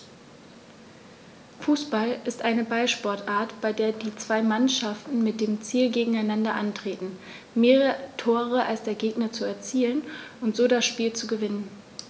Fußball ist eine Ballsportart, bei der zwei Mannschaften mit dem Ziel gegeneinander antreten, mehr Tore als der Gegner zu erzielen und so das Spiel zu gewinnen.